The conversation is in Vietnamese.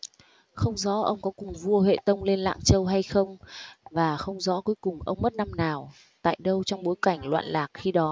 không rõ ông có cùng vua huệ tông lên lạng châu hay không và không rõ cuối cùng ông mất năm nào tại đâu trong bối cảnh loạn lạc khi đó